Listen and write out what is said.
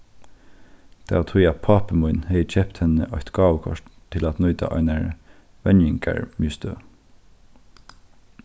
tað var tí at pápi mín hevði keypt henni eitt gávukort til at nýta á einari venjingarmiðstøð